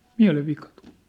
mielenvika tuli